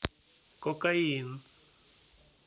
кокаин